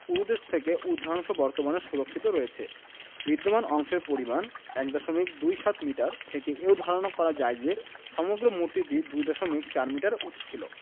উরুদেশ থেকে উর্ধ্বাংশ বর্তমানে সুরক্ষিত রয়েছে বিদ্যমান অংশের পরিমাপ ১ দশমিক দুই সাত মিটার থেকে এও ধারণা করা যায় যে সমগ্র মূর্তিটি ২ দশমিক ৪ মিটার উঁচু ছিল